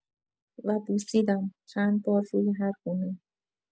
و بوسیدم، چند بار روی هرگونه.